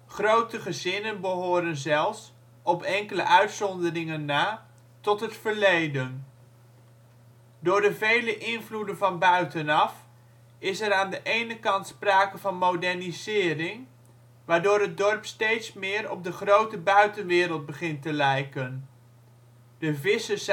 Grote gezinnen behoren zelfs, op enkele uitzonderingen na, tot het verleden. Door de vele invloeden van buitenaf is er aan de ene kant sprake van modernisering, waardoor het dorp steeds meer op de grote buitenwereld begint te lijken; de vissers